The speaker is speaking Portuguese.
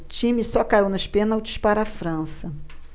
o time só caiu nos pênaltis para a frança